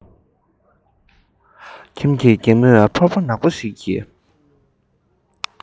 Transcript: ཁྱིམ གྱི རྒན མོས ཕོར པ ནག པོ ཞིག གི